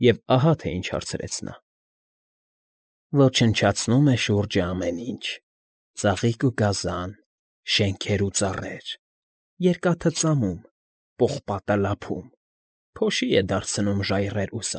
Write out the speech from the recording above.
Եվ ահա թե ինչ հարցրեց նա. Ոչնչացնում է շուրջը ամեն ինչ՝ Ծաղիկ ու գազան, շենքեր ու ծառեր, Երկաթը ծամում, պողպատ լափում, Փոշի է դարձնում ժայռեր ու։